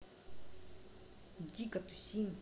дико тусим